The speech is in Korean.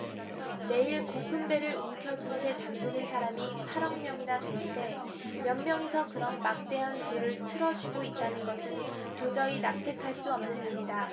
매일 고픈 배를 움켜쥔 채 잠드는 사람이 팔 억 명이나 되는데 몇 명이서 그런 막대한 부를 틀어쥐고 있다는 것은 도저히 납득할 수 없는 일이다